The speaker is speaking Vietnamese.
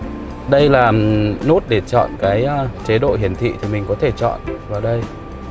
đây là nốt để chọn cái chế độ hiển thị thì mình có thể chọn vào đây